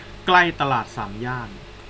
ใกล้ตลาดสามย่าน